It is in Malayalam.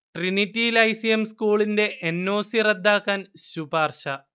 ട്രിനിറ്റി ലൈസിയം സ്കൂളിന്റെ എൻ. ഒ. സി റദ്ദാക്കാൻ ശുപാർശ